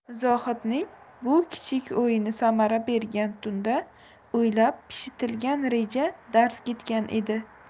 zohidning bu kichik o'yini samara bergan tunda o'ylab pishitilgan reja darz ketgan edi